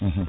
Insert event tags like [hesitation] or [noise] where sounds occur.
[hesitation] [hesitation]